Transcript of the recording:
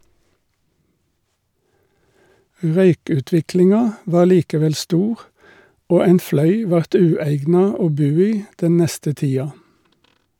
Røykutviklinga var likevel stor, og ein fløy vart ueigna å bu i den neste tida.